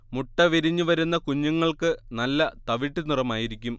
മുട്ട വിരിഞ്ഞ് വരുന്ന കുഞ്ഞുങ്ങൾക്ക് നല്ല തവിട്ട് നിറമായിരിക്കും